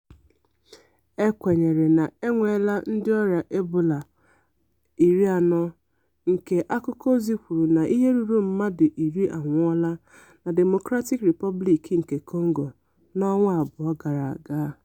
E kwenyere na e nweela ndị ọria Ebola 40, nke akụkọozi kwụrụ na ihe ruru mmadụ 10 anwụọla na Democratic Republic of Congo n'ọnwa abụọ gara aga.